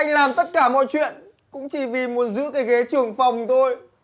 anh làm tất cả mọi chuyện cũng chỉ vì muốn giữ cái ghế trưởng phòng thôi